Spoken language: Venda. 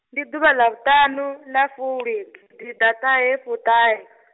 ndi ḓuvha Ḽavhuṱanu ḽa fulwi gidiḓaṱahefuṱahe.